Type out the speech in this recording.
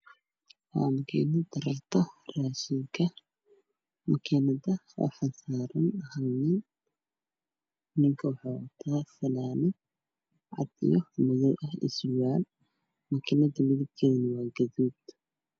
Waa makeenada rarto raashinka nin ayaa saaran wuxuu wataa fanaanad madow shaati cagaar makiinada midabkeedu waa guduud madow